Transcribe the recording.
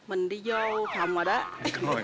mình đi dô phòng rồi đó